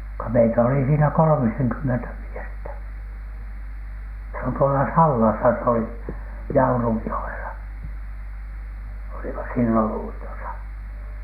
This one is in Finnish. kun meitä oli siinä kolmisenkymmentä miestä se on tuolla Sallassa se oli Jaurujoella olimme silloin uitossa